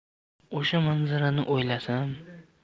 o'sha manzarani o'ylasam